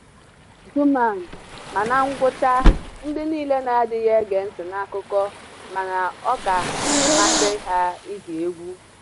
Xuman: Ma na ngwucha, ndị niile n'adịghị ege ntị n'akụkọ mana ọ ka masị ha ige egwu.